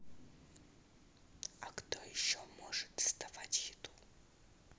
а кто еще может доставить еду